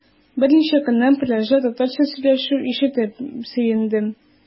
Берничә көннән пляжда татарча сөйләшү ишетеп сөендем.